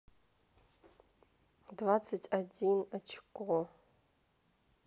двадцать один очко